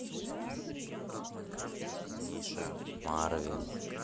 миша марвин